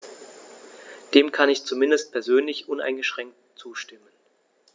Dem kann ich zumindest persönlich uneingeschränkt zustimmen.